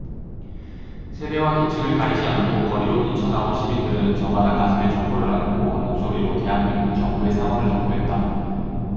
세대와 계층을 가리지 않고 거리로 뛰쳐나온 시민들은 저마다 가슴에 촛불을 안고 한 목소리로 대한민국 정부의 사망을 선고했다